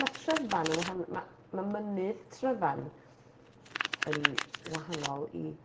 Mae Tryfan yn wahanol... ma' ma' mynydd Tryfan yn wahanol i...